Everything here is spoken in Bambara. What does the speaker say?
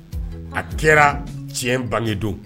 A kɛra tiɲɛ bange don.